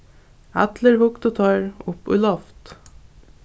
allir hugdu teir upp í loft